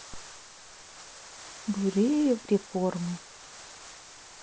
гуреев реформы